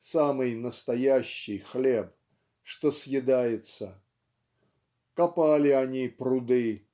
самый настоящий хлеб что съедается. Копали они пруды.